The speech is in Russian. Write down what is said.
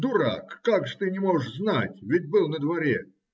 - Дурак, как же ты не можешь знать? Ведь был на дворе.